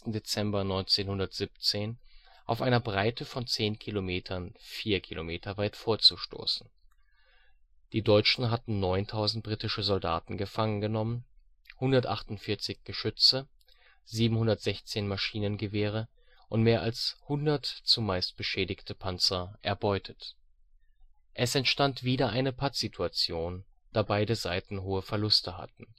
Dezember 1917 auf einer Breite von zehn Kilometern vier Kilometer weit vorzustoßen. Die Deutschen hatten 9.000 britische Soldaten gefangen genommen, 148 Geschütze, 716 Maschinengewehre und mehr als 100, zumeist beschädigte, Panzer erbeutet. Es entstand wieder eine Pattsituation, da beide Seiten hohe Verluste hatten